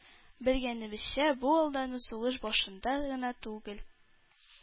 Белгәнебезчә, бу алдану сугыш башында гына түгел,